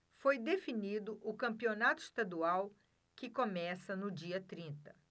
foi definido o campeonato estadual que começa no dia trinta